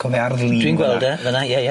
'Co fe Arddlin. Dwi'n gweld e, fyn 'na ie ie.